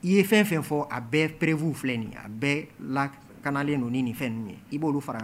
I ye fɛn fɛn fɔ a bɛɛ prefw filɛ nin a bɛɛ laklen ninnu ni nin fɛn nin ye i b'olu fara